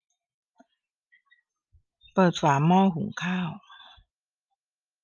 เปิดฝาหม้อหุงข้าว